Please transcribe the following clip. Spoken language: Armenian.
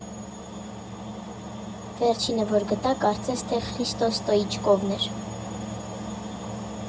Վերջինը, որ գտա, կարծես թե, Խրիստո Ստոիչկովն էր։